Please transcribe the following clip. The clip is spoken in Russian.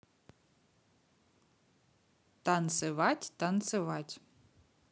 танцевать танцевать